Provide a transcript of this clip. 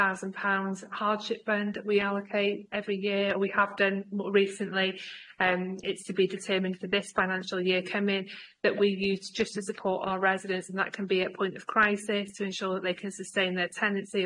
thousand pounds hardship fund we allocate every year we have done more recently and it's to be determined for this financial year coming that we use just to support our residents and that can be at point of crisis to ensure that they can sustain their tenancy,